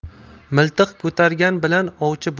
miltiq ko'targan bilan ovchi